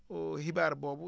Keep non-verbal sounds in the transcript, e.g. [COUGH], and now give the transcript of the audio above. [HESITATION] xibaar boobu